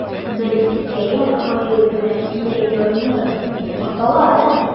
Бер хикәя "Гыйбрәтле язмыш" дип атала да.